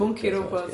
Mwnci robot.